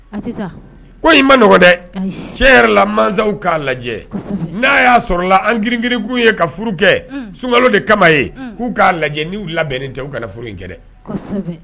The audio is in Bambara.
Ko i ma nɔgɔya dɛ cɛ yɛrɛ la masaw k'a lajɛ n' y'a sɔrɔ la an giriniirikunu ye ka furu kɛ sun de kama ye k'u k'a lajɛ n' labɛn tɛ u kana furu in kɛ dɛ